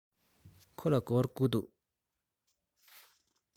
ཁོ ལ སྒོར དགུ འདུག